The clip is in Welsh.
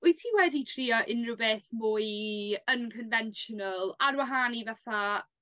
wyt ti wedi trio unryw beth mwy unconventional ar wahan i fatha